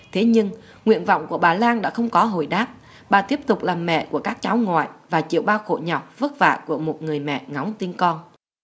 thế nhưng nguyện vọng của bà lang đã không có hồi đáp bà tiếp tục làm mẹ của các cháu ngoại và chịu bao khổ nhọc vất vả của một người mẹ ngóng tin con